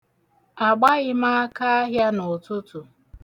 Agbaghị akaahịa n'ụtụtụ.